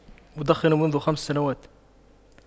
أدخن منذ خمس سنوات